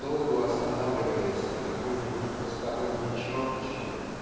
подолгу останавливаясь на какой-нибудь посторонней черточке